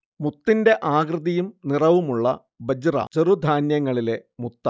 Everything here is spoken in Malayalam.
മുത്തിന്റെ ആകൃതിയും നിറവുമുള്ള ബജ്റ ചെറുധാന്യങ്ങളിലെ മുത്താണ്